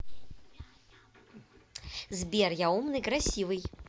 сбер я умный красивый